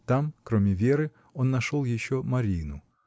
Там, кроме Веры, он нашел еще Марину.